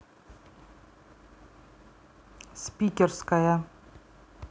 спикерская